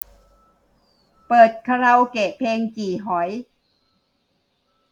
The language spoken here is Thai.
เปิดคาราโอเกะเพลงจี่หอย